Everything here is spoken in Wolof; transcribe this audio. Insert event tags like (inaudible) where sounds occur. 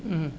(hesitation) (hesitation)